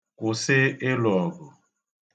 Kwụsi ịlụ ọgụ.